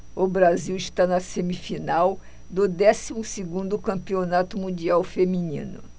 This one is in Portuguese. o brasil está na semifinal do décimo segundo campeonato mundial feminino